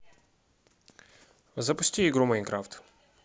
запусти игру майнкрафт